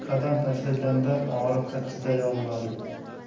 qadam tashlaganda og'riqqa chidayolmaydi